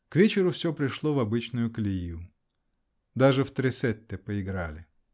К вечеру все пришло в обычную колею. Даже в тресетте поиграли.